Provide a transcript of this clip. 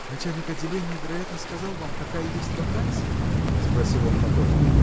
– Начальник отделения, вероятно, сказал вам, какая есть вакансия? – спросил он потом.